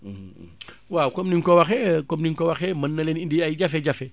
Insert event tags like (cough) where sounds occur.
(hesitation) (hesitation) (smacks lips) waaw comme ni nga ko waxee mën na leen indil ay jafe-jafe